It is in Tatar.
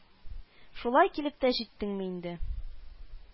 Шулай килеп тә җиттеңме инде